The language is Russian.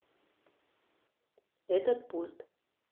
этот пульт